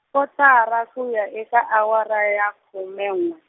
kotara ku ya eka awara ya, khume n'we.